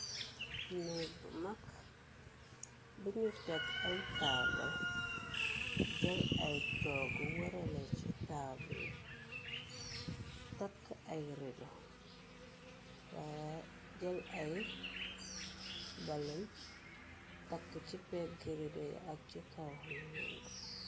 Fii neke bu mak am at tabul jal ay toogu warraku ci tabul taki ay redou wayi jal ay baloum takiku ci pegi redou be ak ci kaw.